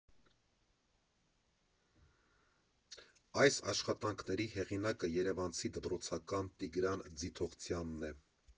Այս աշխատանքների հեղինակը երևանցի դպրոցական Տիգրան Ձիթողցյանն է։